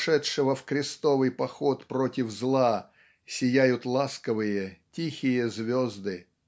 пошедшего в крестовый поход против зла сияют ласковые тихие звезды.